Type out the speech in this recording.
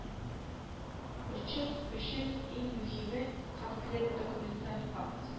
Очерк өчен иң мөһиме конкрет документаль факт